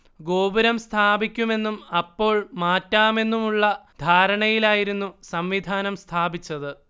ഗോപുരം സ്ഥാപിക്കുമെന്നും അപ്പോൾ മാറ്റാമെന്നുമുള്ള ധാരണയിലായിരുന്നു സംവിധാനം സ്ഥാപിച്ചത്